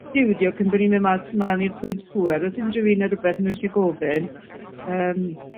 stiwdio cyn bo' ni'n myn' mas mlan i'r pwynt pŵer? O's unryw un â rwbeth 'yn nw isie gofyn? Yym.